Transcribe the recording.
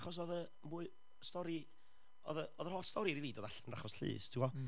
achos oedd y mwy... stori, oedd y... oedd yr holl stori rili 'di ddod allan yn yr achos llys, ti'n gwbod?... mhm...